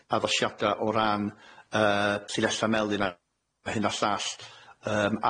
addasiada o ran yy llinella melyn a hyn a llall yym ar